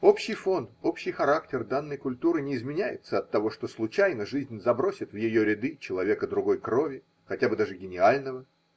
Общий фон, общий характер данной культуры не изменяется оттого, что случайно жизнь забросит и ее ряды человека другой крови, хотя бы даже гениального.